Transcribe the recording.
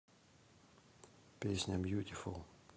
песня бьютифул